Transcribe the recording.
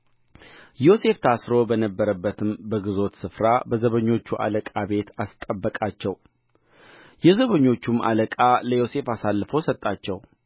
ዮሴፍ ታስሮ በነበረበትም በግዞት ስፍራ በዘበኞቹ አለቃ ቤት አስጠበቃቸው የዘበኞቹም አለቃ ለዮሴፍ አሳልፎ ሰጣቸው